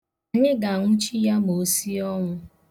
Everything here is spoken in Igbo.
Anyị ga-anwụchi ya ma o sie ọnwụ.